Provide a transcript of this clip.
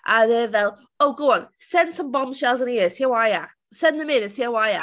A oedd e fel "Oh go on send some bombshells in here see how I ac- send them in and see how I act"